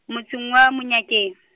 motseng wa, Monyakeng.